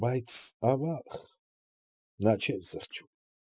Բայց, ավա՜ղ, նա չէր զղջում։ ֊